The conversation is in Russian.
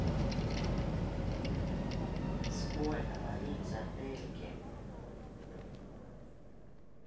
сколько варить сардельки